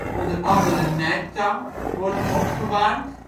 onder andere een nijptang) worden opgewarmd